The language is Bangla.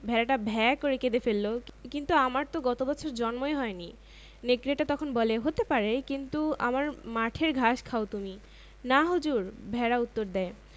এই ক্যাম্পেইনে সিঙ্গার আরো দিচ্ছে টিভি মাইক্রোওয়েভ ওভেনসহ সব ধরনের কিচেন অ্যাপ্লায়েন্সে আকর্ষণীয় সব অফার